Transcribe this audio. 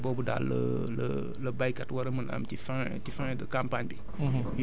taxawaay boobu daal la la la baykat wara a mën a am ci fin ci fin de campagne bi